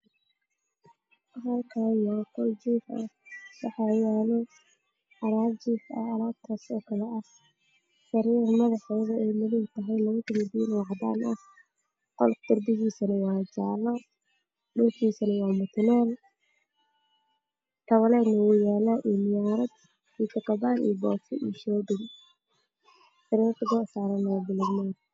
Halkan waa qoljiif ah waxayaalo alaab sidookale kuraas sariir madawtahay qolfsdhigiisu wa Majalo